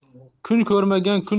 kun ko'rmagan kun